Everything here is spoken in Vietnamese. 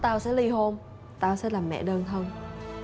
tao sẽ li hôn tao sẽ làm mẹ đơn thân